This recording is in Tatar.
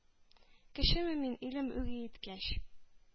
Кешеме мин илем үги иткәч,